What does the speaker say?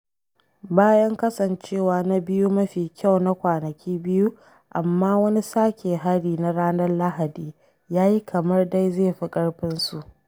Bayan kasancewa na biyu mafi kyau na kwanaki biyu, amma, wani sake hari na ranar Lahadi ya yi kamar dai zai fi ƙarfinsu.